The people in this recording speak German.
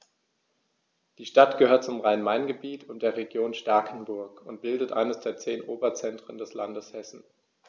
Die Stadt gehört zum Rhein-Main-Gebiet und der Region Starkenburg und bildet eines der zehn Oberzentren des Landes Hessen.